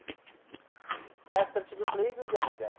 traktorchilik qilib yurgan edi